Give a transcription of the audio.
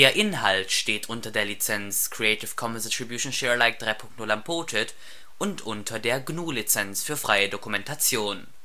Inhalt steht unter der Lizenz Creative Commons Attribution Share Alike 3 Punkt 0 Unported und unter der GNU Lizenz für freie Dokumentation